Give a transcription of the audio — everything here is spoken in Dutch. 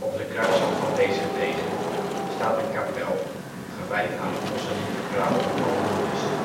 de kruising van deze wegen staat een kapel gewijd aan Onze-Lieve-Vrouwe van Lourdes